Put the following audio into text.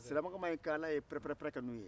siramakanma ye pɛrɛ-pɛrɛ-pɛrɛ k'ɛ n'u ye